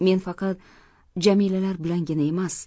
men faqat jamilalar bilangina emas